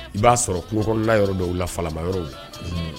I b'a sɔrɔ kukɔrɔnla yɔrɔ dɔ la fala yɔrɔw don